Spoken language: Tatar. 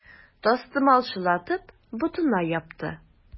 Тастымал чылатып, ботына япты.